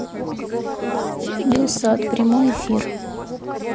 белсат прямой эфир